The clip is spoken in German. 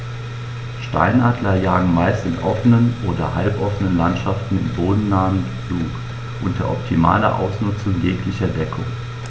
Steinadler jagen meist in offenen oder halboffenen Landschaften im bodennahen Flug unter optimaler Ausnutzung jeglicher Deckung.